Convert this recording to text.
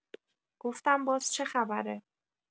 گفتم باز چه خبره؟